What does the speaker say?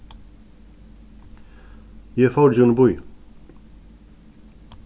eg fór ígjøgnum býin